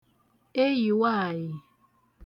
eyì nwaàyị̀